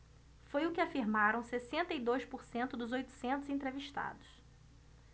foi o que afirmaram sessenta e dois por cento dos oitocentos entrevistados